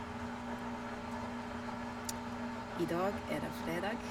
I dag er det fredag.